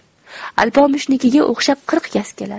alpomishnikiga o'xshab qirq gaz keladi